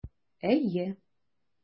Әйе.